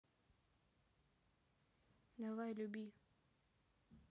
давай люби